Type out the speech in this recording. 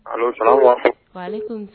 A sɔnna wa